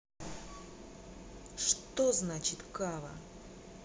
что значит кава